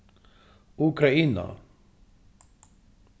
ukraina